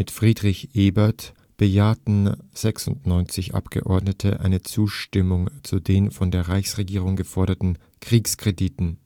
Friedrich Ebert bejahten 96 Abgeordnete eine Zustimmung zu den von der Reichsregierung geforderten Kriegskrediten